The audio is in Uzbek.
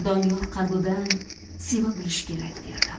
doniyor qalbi bilan seva bilish kerak derdim